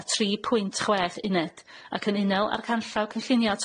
â tri pwynt chwech uned ac yn unoel ar canllaw cynllunio